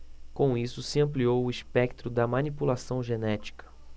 com isso se ampliou o espectro da manipulação genética